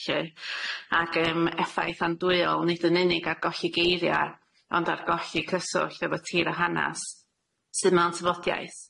lly ag yym effaith andwyol nid yn unig ar golli geiria ond ar golli cyswllt efo tir y hanas sydd mewn tyfodiaeth.